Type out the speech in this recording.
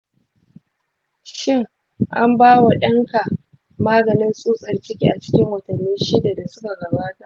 shin an ba wa ɗan ka maganin tsutsar ciki a cikin watanni 6 da suka gabata?